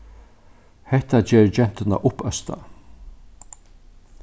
hetta ger gentuna uppøsta